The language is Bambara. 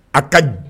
A ka